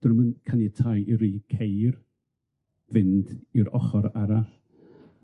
'Dyn nw'm yn caniatáu i ryw ceir fynd i'r ochor arall.